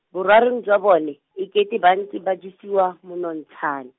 borarong jwa bone, e kete ba ntse ba jesiwa, monontshane.